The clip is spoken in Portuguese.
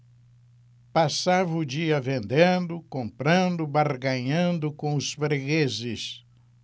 passava o dia vendendo comprando barganhando com os fregueses